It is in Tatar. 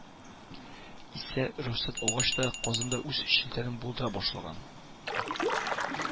Исә, рөхсәт алгач та казанда үз челтәрен булдыра башлаган